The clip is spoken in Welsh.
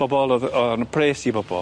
Bobol o'dd o'dd arno pres i bobol.